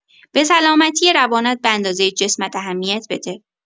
به سلامتی روانت به‌اندازه جسمت اهمیت بده.